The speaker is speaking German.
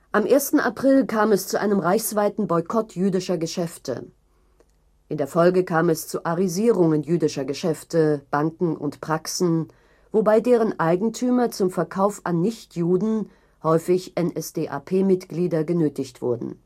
Am 1. April kam es zu einem reichsweiten Boykott jüdischer Geschäfte. In der Folge kam es zu „ Arisierungen “jüdischer Geschäfte, Banken und Praxen, wobei deren Eigentümer zum Verkauf an Nichtjuden, häufig NSDAP-Mitglieder, genötigt wurden